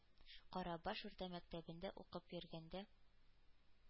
Карабаш урта мәктәбендә укып йөргәндә,